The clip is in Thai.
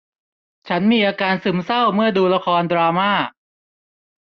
ฉันมีอาการซึมเศร้าเมื่อดูละครดราม่า